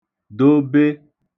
dobe